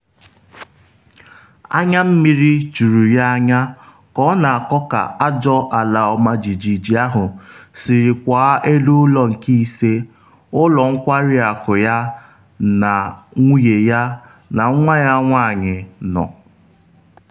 Anya mmiri juru ya anya ka ọ na-akọ ka ajọ ala ọmajiji ahụ siri kwaa elu ụlọ nke ise ụlọ nkwari akụ ya na nwunye ya na nwa ya nwanyị nọ.